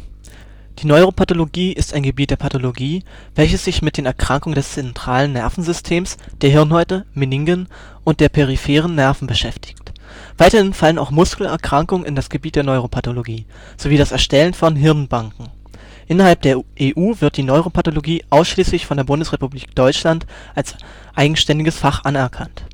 Neuropathologie ist ein Gebiet der Pathologie, welches sich mit den Erkrankungen des Zentralnervensystems, der Hirnhäute (Meningen) und der peripheren Nerven beschäftigt. Weiterhin fallen auch Muskelerkrankungen in das Gebiet der Neuropathologie, sowie das Erstellen von Hirnbanken. Innerhalb der EU wird die Neuropathologie ausschließlich von der Bundesrepublik Deutschland als eigenständiges Fach anerkannt